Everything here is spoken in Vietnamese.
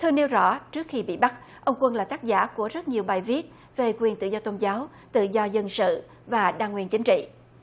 thư nêu rõ trước khi bị bắt ông quân là tác giả của rất nhiều bài viết về quyền tự do tôn giáo tự do dân sự và đa nguyên chính trị